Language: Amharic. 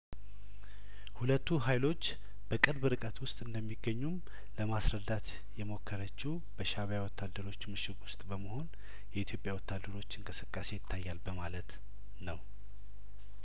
ሁለቱ ሀይሎች በቅርብ ርቀት ውስጥ እንደሚገኙም ለማስረዳት የሞከረችው በሻእቢያ ወታደሮች ምሽግ ውስጥ በመሆን የኢትዮጵያ ወታደሮች እንቅስቃሴ ይታያል በማለት ነው